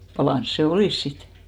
palanut se olisi sitten